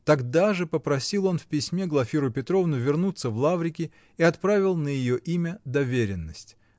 Тогда же попросил он в письме Глафиру Петровну вернуться в Лаврики и отправил на ее имя доверенность